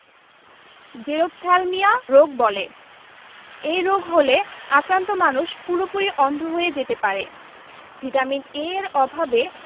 xerophthalmia রোগ বলে এই রোগ হলে আক্রান্ত মানুষ পুরোপুরি অন্ধ হয়ে যেতে পারে ভিটামিন A এর অভাবে